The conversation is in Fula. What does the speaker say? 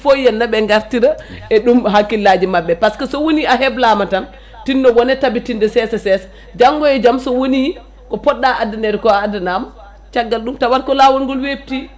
faut henna ɓe gartira e ɗum hakkillaji mabɓe par ce que sowoni a heblama tan tinnoɗon e tabitinde janggo e jaam sowoni ko poɗɗa andaneko a addanama caggal ɗum tawata ko laawol ngol webti